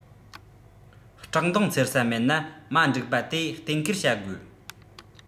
བཀྲག མདངས འཚེར ས མེད ན མ འགྲིག པ དེ གཏན འཁེལ བྱ དགོས